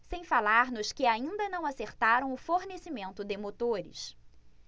sem falar nos que ainda não acertaram o fornecimento de motores